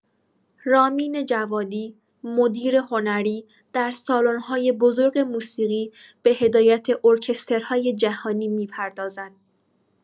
رامین جوادی، مدیر هنری، در سالن‌های بزرگ موسیقی به هدایت ارکسترهای جهانی می‌پردازد.